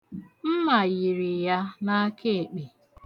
Mma yiri ya n'akaekpe.